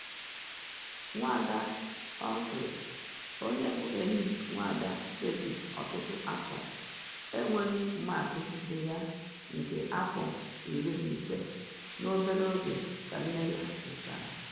Nwada Humphreys, onye bụ enyi Nwada Davies ọtụtụ afọ, enweghịzị Mark, di ya nke afọ 15, n’obere oge ka nne ya nwụchara.